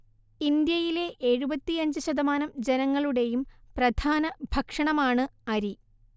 ഇന്ത്യയിലെ എഴുപത്തിയഞ്ച് ശതമാനം ജനങ്ങളുടേയും പ്രധാന ഭക്ഷണമാണ്‌ അരി